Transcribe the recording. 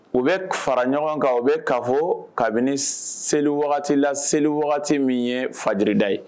U bɛ fara ɲɔgɔn kan u bɛ ka fɔ kabini seli wagati la seli wagati min ye fajda ye